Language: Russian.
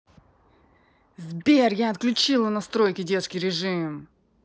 сбер я отключила настройки детский режим